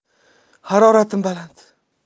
haroratim baland